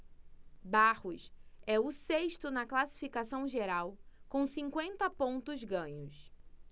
barros é o sexto na classificação geral com cinquenta pontos ganhos